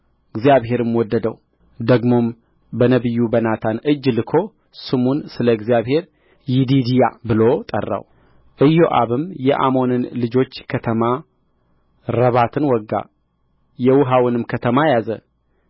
እግዚአብሔርም ወደደው ደግሞም በነቢዩ በናታን እጅ ልኮ ስሙን ስለ እግዚአብሔር ይዲድያ ብሎ ጠራው ኢዮአብም የአሞንን ልጆች ከተማ ረባትን ወጋ የውኃውንም ከተማ ያዘ